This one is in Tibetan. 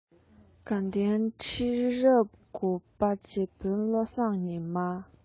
དགའ ལྡན ཁྲི རབས དགུ བ རྗེ དཔོན བློ བཟང ཉི མ